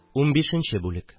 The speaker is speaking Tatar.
Унбишенче бүлек